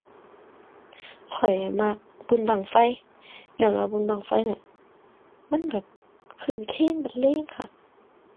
ข้อยมักบุญบั้งไฟ ญ้อนว่าบุญบั้งไฟเนี่ย มันแบบครื้นเครงบรรเลงคัก